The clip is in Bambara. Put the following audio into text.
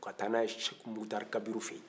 u ka taa n'a ye seko mukutari kabiru fɛ yen